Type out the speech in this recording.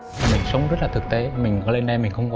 mình sống rất là thực tế mình lên đây mình không